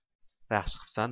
yaxshi qipsan